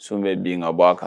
Fɛn bɛ bin ka bɔ a kan